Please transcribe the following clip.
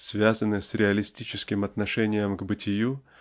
связанный с реалистическим отношением к бытию